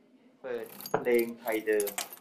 เปิดเพลงไทยเดิม